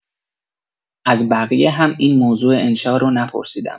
از بقیه هم این موضوع انشا رو نپرسیدم